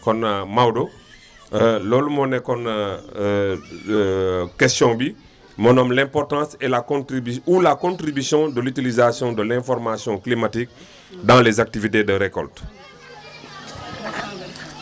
kon Maodo loolu moo nekkoon question bi maanaam l' importance et la contribu ou la contribution de l' utilisation de l' information climatique dans les activités de récoltes